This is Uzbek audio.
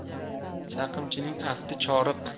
chaqimchining afti choriq